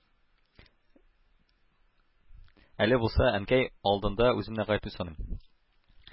Әле булса әнкәй алдында үземне гаепле саныйм.